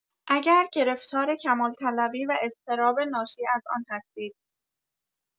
اگر گرفتار کمال‌طلبی و اضطراب ناشی از آن هستید.